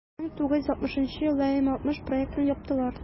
1960 елда м-60 проектын яптылар.